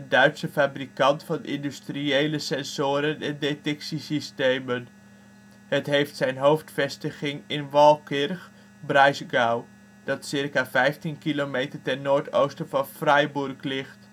Duitse fabrikant van industriële sensoren en detectiesystemen. Het heeft zijn hoofdvestiging in Waldkirch (Breisgau), dat circa 15 km ten noordoosten van Freiburg ligt